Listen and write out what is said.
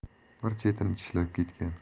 bir chetini tishlab ketgan